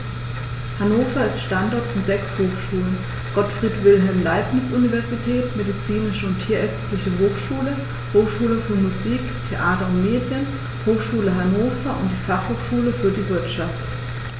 Hannover ist Standort von sechs Hochschulen: Gottfried Wilhelm Leibniz Universität, Medizinische und Tierärztliche Hochschule, Hochschule für Musik, Theater und Medien, Hochschule Hannover und die Fachhochschule für die Wirtschaft.